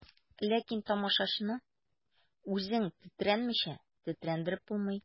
Ләкин тамашачыны үзең тетрәнмичә тетрәндереп булмый.